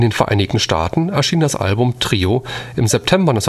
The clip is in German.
Vereinigten Staaten erschien das Album Trio im September